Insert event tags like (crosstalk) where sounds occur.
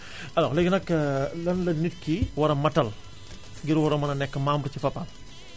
(music) alors léegi nag (hesitation) lan la nit ki war a motal ngir war a mën a nekk membre ci Fapal (music)